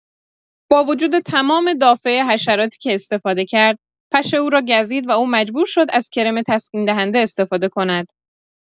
با وجود تمام دافع حشراتی که استفاده کرد، پشه او را گزید و او مجبور شد از کرم تسکین‌دهنده استفاده کند.